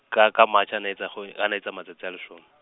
ka ka March, ha ne etsa kgwe, ha etsa matsatsi a leshome.